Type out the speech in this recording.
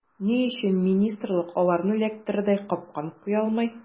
Ни өчен министрлык аларны эләктерердәй “капкан” куя алмый.